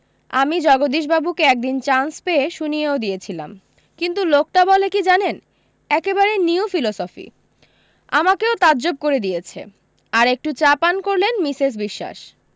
আমি জগদীশবাবুকে একদিন চান্স পেয়ে শুনিয়েও দিয়েছিলাম কিন্তু লোকটা বলে কী জানেন একেবারে নিউ ফিলজফি আমাকেও তাজ্জব করে দিয়েছে আর একটু চা পান করলেন মিসেস বিশোয়াস